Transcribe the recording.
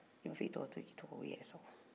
i b'a f'u y'e tɔgɔ t'o ye k'i tɔgɔ yɛrɛ sago